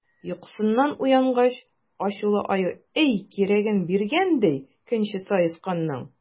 Йокысыннан уянгач, ачулы Аю әй кирәген биргән, ди, көнче Саесканның!